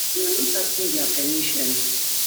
"We are not asking their permission."